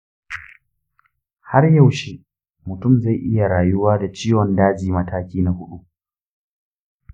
har yaushe mutum zai iya rayuwa da ciwon daji mataki na huɗu?